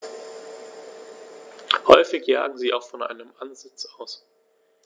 Häufig jagen sie auch von einem Ansitz aus.